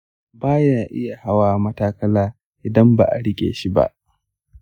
ba ya iya hawa matakala idan ba a riƙe shi ba.